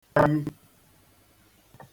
jayi